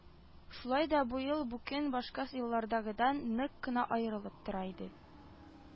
Шулай да быел бу көн башка еллардагыдан нык кына аерылып тора иде